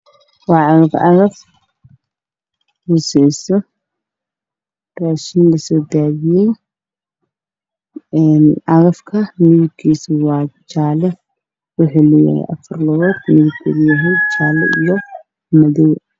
Waa cagaf cagaf dhisayso raashin lasoo daadiyay cagafta midabkiisa waa jaalle wuxuu leeyahay afar lugood midabkeedu yahay jaalle iyo madow.